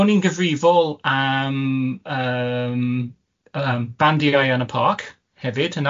O'n i'n gyfrifol am yym yym bandiau yn y parc hefyd hynna.